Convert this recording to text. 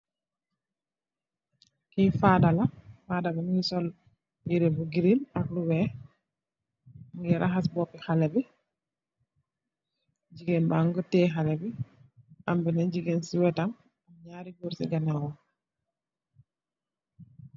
kiy faadala faadala mu sol bire bu girin ax luwee ngi raxas boppi xale bi jigéen bangotee xale bi ambina jigéen ci wetam am ñaari góor ci ganewo